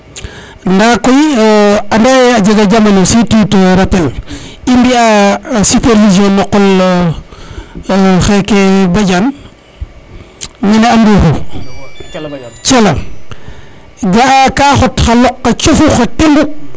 nda koy anda ye a jega jamano si tu te rappelles i mbiya supervision na qol xeke Badiane mene a NDoukhour Thialal ga a ka xot xa loq xa cofu xa tingu